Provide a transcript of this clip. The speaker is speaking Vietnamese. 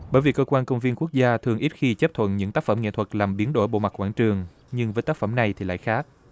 bởi vì cơ quan công viên quốc gia thường ít khi chấp thuận những tác phẩm nghệ thuật làm biến đổi bộ mặt quảng trường nhưng với tác phẩm này thì lại khác